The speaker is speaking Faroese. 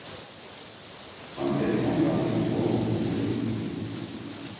hann er ongantíð komin til tíðina